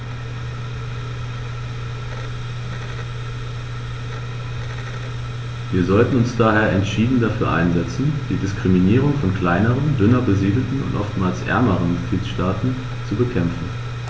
Wir sollten uns daher entschieden dafür einsetzen, die Diskriminierung von kleineren, dünner besiedelten und oftmals ärmeren Mitgliedstaaten zu bekämpfen.